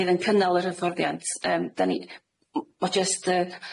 fydd yn cynnal yr hyfforddiant yym 'dan ni- m- ma' jyst yy